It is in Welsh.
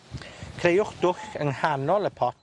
Creuwch dwll yng nghanol y pot